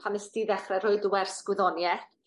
...pan nest di ddechre rhoid y wers gwyddonieth